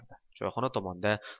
choyxona tomonda